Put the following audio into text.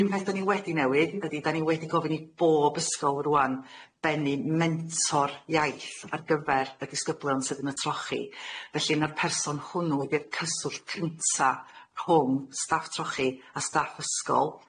Un peth 'dan ni wedi newid ydi 'dan ni wedi gofyn i bob ysgol rŵan bennu mentor iaith ar gyfer y disgyblion sydd yn y trochi felly ma'r person hwnnw ydi'r cyswllt cynta rhwng staff trochi a staff ysgol.